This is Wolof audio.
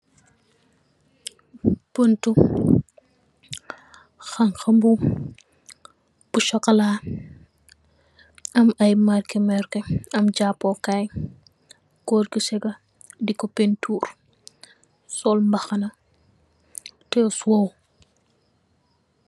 Buntu hangha bu sokola, am ay markè-markè, am yapukaay. Gòor gu saga diko penturr sol mbahana tè sow.